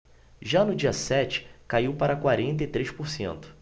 já no dia sete caiu para quarenta e três por cento